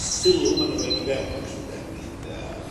sylw ma' n'w roid i fewn felly ynde with- ia yym